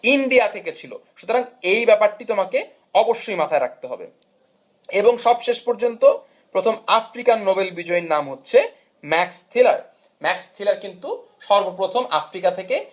India থেকে ছিল সুতরাং এই ব্যাপারটি তোমাকে অবশ্যই মাথায় রাখতে হবে এবং সব শেষ পর্যন্ত প্রথম আফ্রিকার নোবেল বিজয়ী নাম হচ্ছে ম্যাক্স থিলার ম্যাক্স থিলার কিন্তু সর্বপ্রথম আফ্রিকা থেকে